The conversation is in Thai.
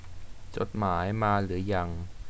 จดหมายมาหรือยัง